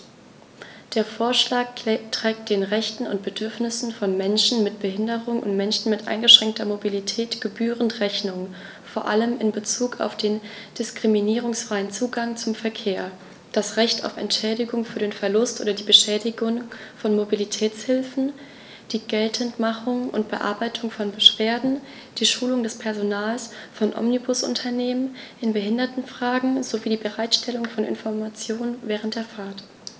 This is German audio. Der Vorschlag trägt den Rechten und Bedürfnissen von Menschen mit Behinderung und Menschen mit eingeschränkter Mobilität gebührend Rechnung, vor allem in Bezug auf den diskriminierungsfreien Zugang zum Verkehr, das Recht auf Entschädigung für den Verlust oder die Beschädigung von Mobilitätshilfen, die Geltendmachung und Bearbeitung von Beschwerden, die Schulung des Personals von Omnibusunternehmen in Behindertenfragen sowie die Bereitstellung von Informationen während der Fahrt.